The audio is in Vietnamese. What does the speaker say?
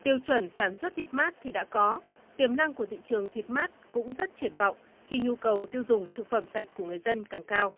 tiêu chuẩn sản xuất thịt mát thì đã có tiềm năng của thị trường thịt mát cũng rất triển vọng khi nhu cầu tiêu dùng thực phẩm sạch của người dân càng cao